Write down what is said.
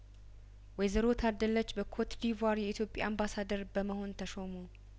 ወይዘሮ ታደለች በኮትዲቯር የኢትዮጵያ አምባሳደር በመሆን ተሾሙ